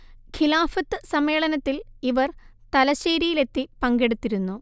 ഖിലാഫത്ത് സമ്മേളനത്തിൽ ഇവർ തലശ്ശേരിയിൽ എത്തി പങ്കെടുത്തിരുന്നു